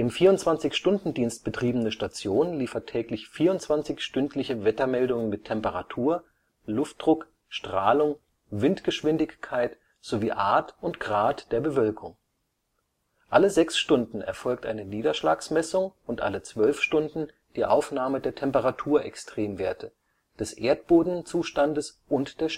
24-Stunden-Dienst betriebene Station liefert täglich 24 stündliche Wettermeldungen mit Temperatur, Luftdruck, Strahlung, Windgeschwindigkeit sowie Art und Grad der Bewölkung. Alle sechs Stunden erfolgt eine Niederschlagsmessung und alle zwölf Stunden die Aufnahme der Temperatur-Extremwerte, des Erdbodenzustandes und der